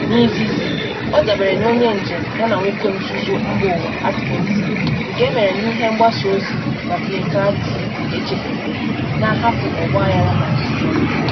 N’izizi ọ dabere n’onye njem yana nwoke nzuzo mba ụwa Atkinson nke emere na ihe mgbasa ozi Barclaycard TV echefugoro, na-ahapu ọgbaghara n’azụ ya.